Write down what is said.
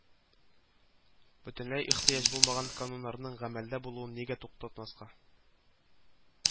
Бөтенләй ихтыяҗ булмаган кануннарның гамәлдә булуын нигә туктатмаска